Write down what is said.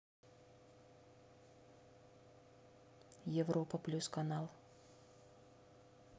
европа плюс канал